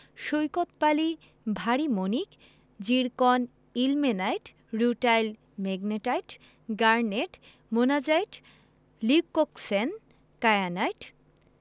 সৈকত বালি ভারি মণিক zircon ilmenite rutile magnetite garnet monazite leucoxene kyanite